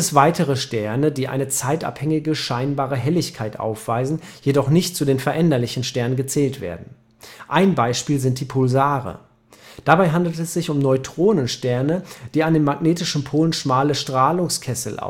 weitere Sterne, die eine zeitabhängige scheinbare Helligkeit aufweisen, jedoch nicht zu den veränderlichen Sternen gezählt werden, wie beispielsweise die Pulsare. Dabei handelt es sich um Neutronensterne, die an den magnetischen Polen schmale Strahlungskegel